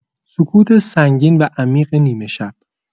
سکوت سنگین و عمیق نیمه‌شب